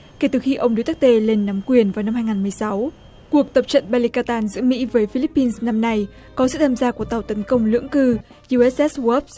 kể từ khi ông đu téc tê lên nắm quyền vào năm hai ngàn mười sáu cuộc tập trận ba lica tang giữa mỹ và phi líp pin năm nay có sự tham gia của tàu tấn công lưỡng cư diu ép ép guốp